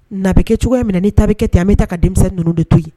Nabi kɛ cogoya minɛ ni tabikɛ ten a bɛ ta ka denmisɛnnin ninnu de tuguni